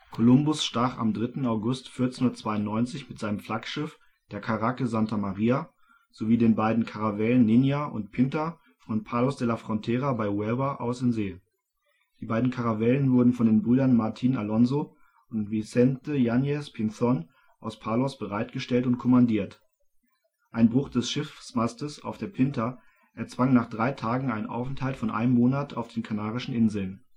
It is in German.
Kolumbus stach am 3. August 1492 mit seinem Flaggschiff, der Karacke Santa Maria, sowie den beiden Karavellen Niña und Pinta von Palos de la Frontera bei Huelva aus in See. Die beiden Karavellen wurden von den Brüdern Martín Alonso und Vicente Yáñez Pinzón aus Palos bereitgestellt und kommandiert. Ein Bruch des Schiffsmastes auf der Pinta erzwang nach drei Tagen einen Aufenthalt von einem Monat auf den Kanarischen Inseln